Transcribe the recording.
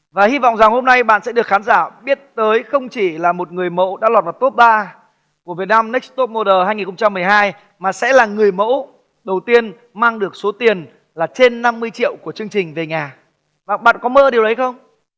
và hy vọng rằng hôm nay bạn sẽ được khán giả biết tới không chỉ là một người mẫu đã lọt vào tốp ba của việt nam nếch tốp mo đồ hai nghìn không trăm mười hai mà sẽ là người mẫu đầu tiên mang được số tiền là trên năm mươi triệu của chương trình về nhà và bạn có mơ điều đấy không